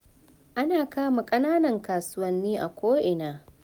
Ana kama kananan kasuwanni a ko'ina. "